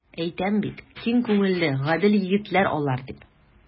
Әйтәм бит, киң күңелле, гадел егетләр алар, дип.